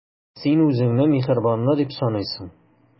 Син үзеңне миһербанлы дип саныйсың.